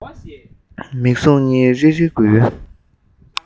མིག ཟུང གཉིས རིག རིག འགུལ